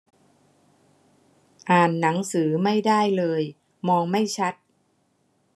อ่านหนังสือไม่ได้เลยมองไม่ชัด